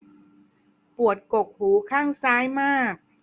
ปวดกกหูข้างซ้ายมาก